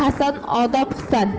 aql hasan odob husan